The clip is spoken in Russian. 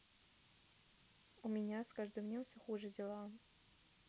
у меня с каждым днем все хуже дела